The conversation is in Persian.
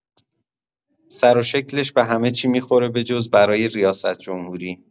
سرو شکلش به همه چی می‌خوره بجز برای ریاست‌جمهوری